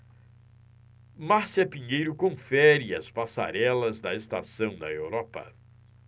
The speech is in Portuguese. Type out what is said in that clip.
márcia pinheiro confere as passarelas da estação na europa